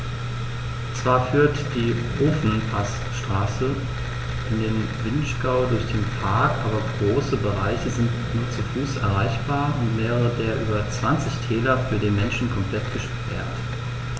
Zwar führt die Ofenpassstraße in den Vinschgau durch den Park, aber große Bereiche sind nur zu Fuß erreichbar und mehrere der über 20 Täler für den Menschen komplett gesperrt.